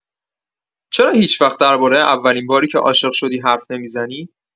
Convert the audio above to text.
چرا هیچ‌وقت درباره اولین باری که عاشق شدی، حرف نمی‌زنی؟